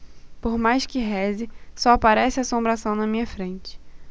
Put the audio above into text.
por mais que reze só aparece assombração na minha frente